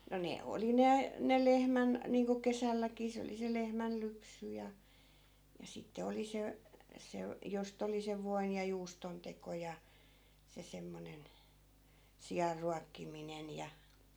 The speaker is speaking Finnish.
no ne oli ne ne lehmän niin kuin kesälläkin se oli se lehmänlypsy ja ja sitten oli se se josta oli sen voin ja juuston teko ja se semmoinen sianruokkiminen ja